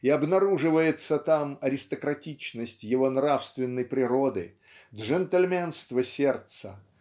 и обнаруживается там аристократичность его нравственной природы джентльменство сердца